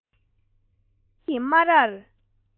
ཅེས བཤད བཞིན རང གི སྨ རར